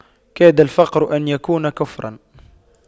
كاد الفقر أن يكون كفراً